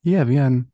Ie, fi yn.